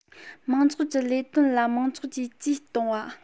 མང ཚོགས ཀྱི ལས དོན ལ མང ཚོགས ཀྱིས ཇུས གཏོང བ